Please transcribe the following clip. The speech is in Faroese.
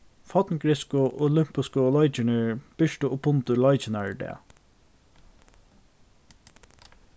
forngriksku olympisku leikirnir birtu upp undir leikirnar í dag